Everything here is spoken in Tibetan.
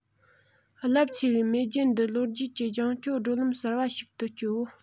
རླབས ཆེ བའི མེས རྒྱལ འདི ལོ རྒྱུས ཀྱི རྒྱང སྐྱོད བགྲོད ལམ གསར བ ཞིག དུ བསྐྱོད